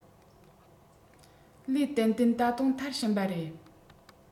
ལས ཏན ཏན ད དུང མཐར ཕྱིན པ རེད